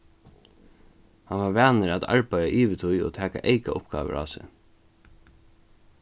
hann var vanur at arbeiða yvirtíð og at taka eyka uppgávur á seg